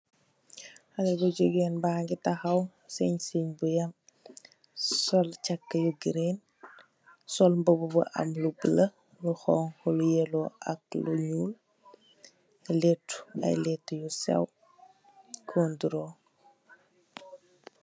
Xalèh bu jigeen ba ngi taxaw siiñ siiñ bu èm, sol caxa yu green sol mbubu bu am lu bula, lu xonxu, lu yellow ak lu ñuul. Lèttu ay lèttu yu séw kontrol.